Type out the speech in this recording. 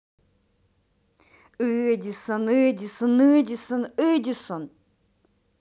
эдисон эдисон эдисон эдисон